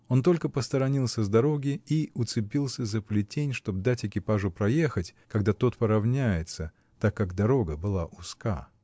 Он только посторонился с дороги и уцепился за плетень, чтоб дать экипажу проехать, когда тот поравняется, так как дорога была узка.